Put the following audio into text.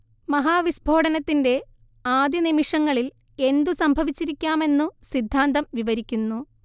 മഹാവിസ്ഫോടനത്തിന്റെ ആദ്യനിമിഷങ്ങളിൽ എന്തു സംഭവിച്ചിരിയ്ക്കാമെന്നു സിദ്ധാന്തം വിവരിയ്ക്കുന്നു